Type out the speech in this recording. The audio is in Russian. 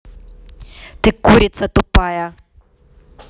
ты курица тупая